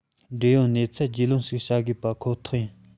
འབྲེལ ཡོད གནས ཚུལ རྒྱུས ལོན ཞིག བྱ དགོས པ ཁོ ཐག རེད